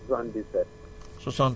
sëñ Barra numéro bi ñaata la